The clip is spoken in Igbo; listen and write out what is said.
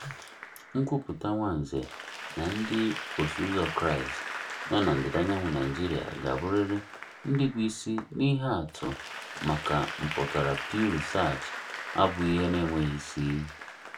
Nkwupụta Nwanze na ndị osoụzo Kraịstị nọ na ndịda Naịjirịa ga-abụrịrị ndị bụ isi n'ihe atụ maka mpụtara Pew Research abụghị ihe na-enweghị isi.